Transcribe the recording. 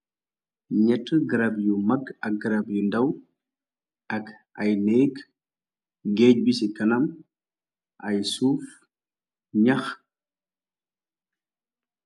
Ñetti garab yu mak ak garab yu ndaw ak ay nék gééj bi ci kanam ay suuf ñax.